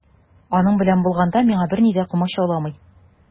Аның белән булганда миңа берни дә комачауламый.